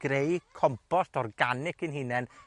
greu compost organic ein hunen